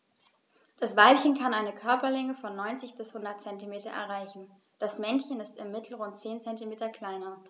Das Weibchen kann eine Körperlänge von 90-100 cm erreichen; das Männchen ist im Mittel rund 10 cm kleiner.